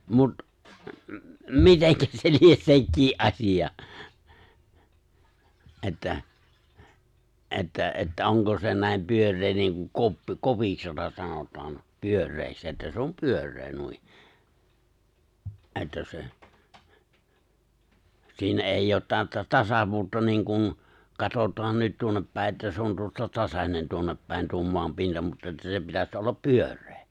mutta miten se lie sekin asia että että että onko se näin pyöreä niin kuin koppi kopiksi jota sanotaan pyöreäksi että se on pyöreä noin että se siinä ei ole täyttä tasavuutta niin kuin katsotaan nyt tuonne päin että se on tuosta tasainen tuonne päin tuo maan pinta mutta että se pitäisi olla pyöreä